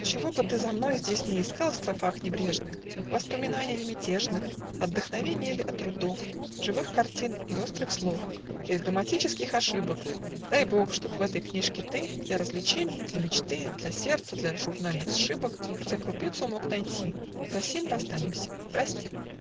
Чего бы ты за мной Здесь ни искал в строфах небрежных, Воспоминаний ли мятежных, Отдохновенья ль от трудов, Живых картин, иль острых слов, Иль грамматических ошибок, Дай бог, чтоб в этой книжке ты Для развлеченья, для мечты, Для сердца, для журнальных сшибок Хотя крупицу мог найти. За сим расстанемся, прости!